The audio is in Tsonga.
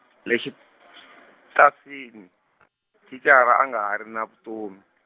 le xitasini , thicara a nga ha ri na vutomi.